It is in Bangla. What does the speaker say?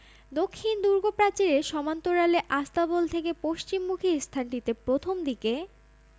দক্ষিণ দুর্গপ্রাচীরের সমান্তরালে আস্তাবল থেকে পশ্চিমমুখি স্থানটিতে প্রথম দিকে